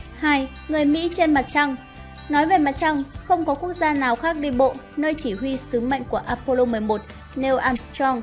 người mỹ trên mặt trăng nói về mặt trăng không có quốc gia nào khác đi bộ nơi chỉ huy sứ mệnh của apollo neil armstrong